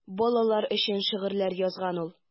Балалар өчен шигырьләр язган ул.